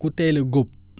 ku teel a góob